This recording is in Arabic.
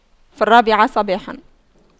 في الرابعة صباحا